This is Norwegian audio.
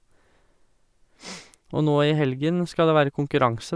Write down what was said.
Og nå i helgen skal det være konkurranse.